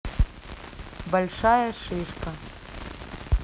большая шишка